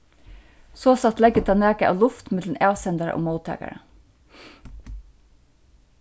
sostatt leggur tað nakað av luft millum avsendara og móttakara